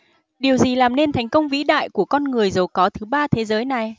điều gì làm nên thành công vĩ đại của con người giàu có thứ ba thế giới này